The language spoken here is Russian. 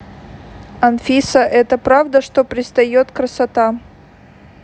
anfisa это правда что пристает красота